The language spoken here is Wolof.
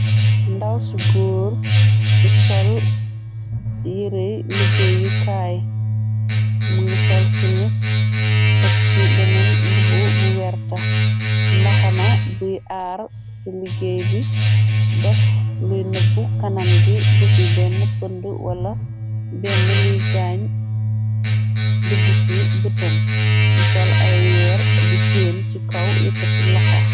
Ndaw ci góor su sol yirey liggéey yu kaay mu ngi sol ci mis teg ci beneen mbubu bu werta mbaxana buy aar ci liggéey bi def luy nebbu kanam gi bufi benn pënd wala benn luy gaañ duggsi bëtëm mu sol ay weer di téen ci kaw yekkati loxo.